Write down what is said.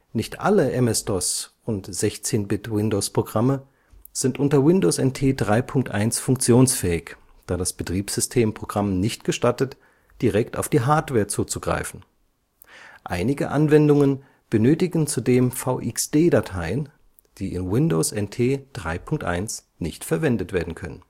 Nicht alle MS-DOS - und 16-Bit-Windowsprogramme sind unter Windows NT 3.1 funktionsfähig, da das Betriebssystem Programmen nicht gestattet, direkt auf die Hardware zuzugreifen; einige Anwendungen benötigen zudem VxD-Dateien, die in Windows NT 3.1 nicht verwendet werden können